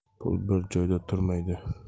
pul bir joyda turmaydi